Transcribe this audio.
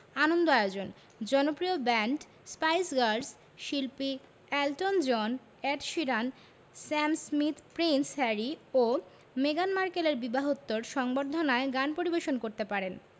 আনন্দ আয়োজন জনপ্রিয় band Spice Girls শিল্পী Elton John Ed Sheeran Sam Smith Prince Harry ও মেগান মার্কেলের বিবাহোত্তর সংবর্ধনায় গান পরিবেশন করতে পারেন